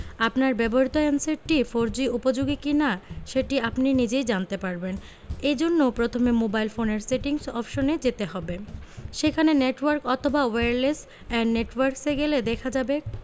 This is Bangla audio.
আপনার ব্যবহৃত হ্যান্ডসেটটি ফোরজি উপযোগী কিনা সেটি আপনি নিজেই জানতে পারবেন এ জন্য প্রথমে মোবাইল ফোনের সেটিংস অপশনে যেতে হবে সেখানে নেটওয়ার্ক অথবা ওয়্যারলেস অ্যান্ড নেটওয়ার্কস এ গেলে দেখা যাবে